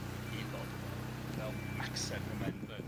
aelod iddo fel Macsen pan mae'n... Reit.